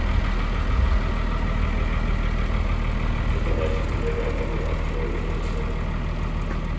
summarleikirnir eru ein onnur altjóða ítróttastevna